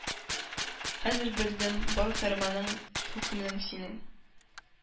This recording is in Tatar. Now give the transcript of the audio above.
Хәзер белдем, бар фәрманың, хөкмең синең